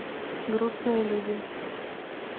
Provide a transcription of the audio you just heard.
грустные люди